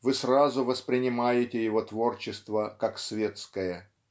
Вы сразу воспринимаете его творчество как светское.